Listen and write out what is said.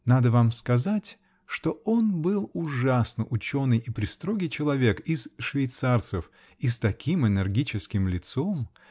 Надо вам сказать, что он был ужасно ученый и престрогий человек, из швейцарцев -- и с таким энергическим лицом!